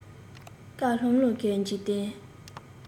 དཀར ལྷང ལྷང གི འཇིག རྟེན